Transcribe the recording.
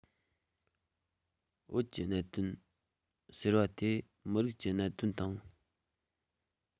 བོད ཀྱི གནད དོན ཟེར བ དེ མི རིགས ཀྱི གནད དོན དང